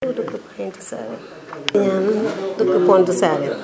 ñoo dëkk Pointe Sarene Niane dëkk Pointe Sarene